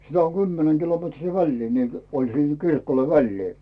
sitä on kymmenen kilometriä väliä niillä oli siinä kirkoilla väliä